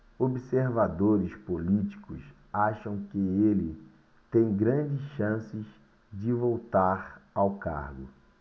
observadores políticos acham que ele tem grandes chances de voltar ao cargo